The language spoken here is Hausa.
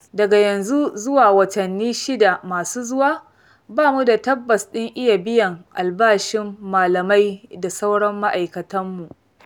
Daga yanzu zuwa watanni shida masu zuwa, ba mu da tabbas ɗin iya biyan albashin malamai da sauran ma'aikatanmu.